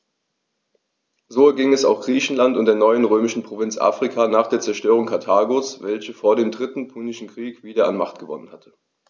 So erging es auch Griechenland und der neuen römischen Provinz Afrika nach der Zerstörung Karthagos, welches vor dem Dritten Punischen Krieg wieder an Macht gewonnen hatte.